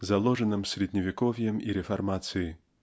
заложенном средневековьем и реформацией.